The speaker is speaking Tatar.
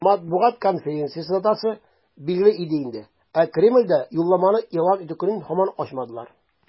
Матбугат конференциясе датасы билгеле иде инде, ә Кремльдә юлламаны игълан итү көнен һаман ачмадылар.